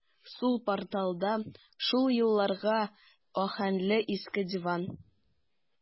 Сул порталда шул елларга аһәңле иске диван.